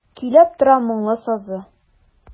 Көйләп тора моңлы сазы.